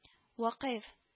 Вакыйф